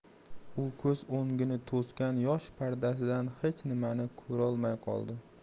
u ko'z o'ngini to'sgan yosh pardasidan hech nimani ko'rolmay qoldi